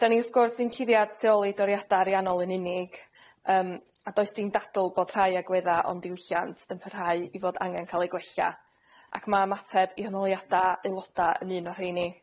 Fedan ni wrth gwrs dim cuddiad tu ôl i doriada ariannol yn unig yym a does dim dadl bod rhai agwedda ond diwylliant yn parhau i fod angen ca'l eu gwella ac ma' ymateb i honiada aeloda yn un o rheini.